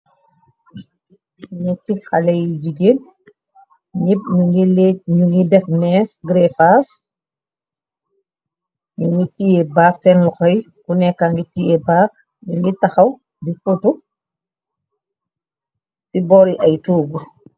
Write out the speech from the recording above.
Net ci xale yi jigéen népp ñu ngi def nees gréfas ñu ngi ciye baak seenmuxoy ku nekka ngi tiyé baak nu ngi taxaw di futu ci bori ay tuug.